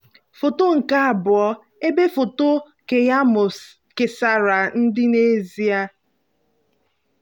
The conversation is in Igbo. Foto nke 2: Ebe foto Keyamo kesara dị n'ezie.